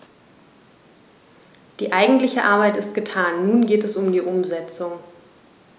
Die eigentliche Arbeit ist getan, nun geht es um die Umsetzung.